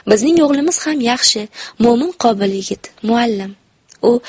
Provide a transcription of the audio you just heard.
bizning o'g'limiz ham yaxshi mo'min qobil yigit muallim u